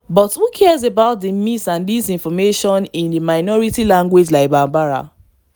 But who cares about mis- and disinformation in a minority language like Bambara?